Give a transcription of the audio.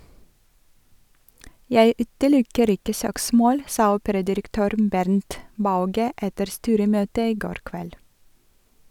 Jeg utelukker ikke søksmål , sa operadirektør Bernt Bauge etter styremøtet i går kveld.